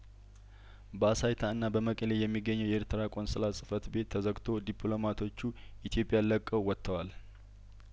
በአሳይታ እና በመቀሌ የሚገኘው የኤርትራ ቆንስላ ጽፈት ቤት ተዘግቶ ዲፕሎማቶቹ ኢትዮጵያን ለቀው ወጥተዋል